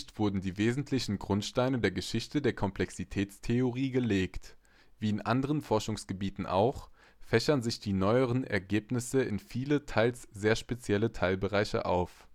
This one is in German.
wurden die wesentlichen Grundsteine der Geschichte der Komplexitätstheorie gelegt. Wie in anderen Forschungsgebieten auch, fächern sich die neueren Ergebnisse in viele, teils sehr spezielle Teilbereiche auf